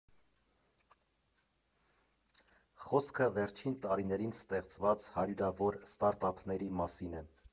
Խոսքը վերջին տարիներին ստեղծված հարյուրավոր ստարտափների մասին է։